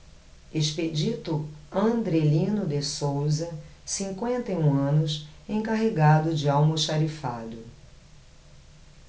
expedito andrelino de souza cinquenta e um anos encarregado de almoxarifado